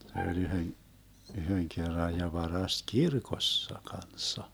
se oli yhden yhden kerran ja varasti kirkossa kanssa